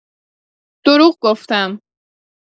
دروغ گفتم.